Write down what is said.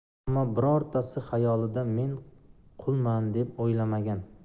ammo birortasi xayolida men qulman deb o'ylamagan